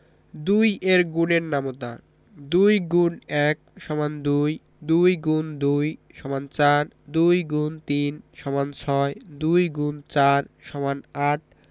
২ এর গুণের নামতা ২ X ১ = ২ ২ X ২ = ৪ ২ X ৩ = ৬ ২ X ৪ = ৮